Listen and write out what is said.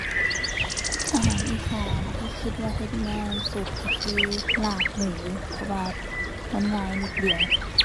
อาหารอีสานที่คิดว่าเฮ็ดง่ายสุด ก็คือ ลาบหมู เพราะว่ามันง่ายนิดเดียว